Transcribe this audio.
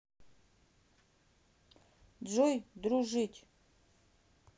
джой дружить